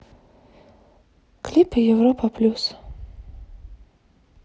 клипы европа плюс